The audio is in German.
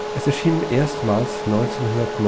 es erschien erstmals 1969